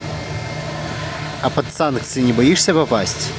а под санкции не боишься попасть